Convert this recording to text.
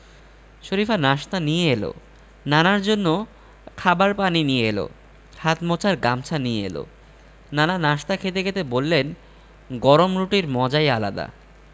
শরিফা নাশতা নিয়ে এলো নানার জন্য খাবার পানি নিয়ে এলো হাত মোছার গামছা নিয়ে এলো নানা নাশতা খেতে খেতে বললেন গরম রুটির মজাই আলাদা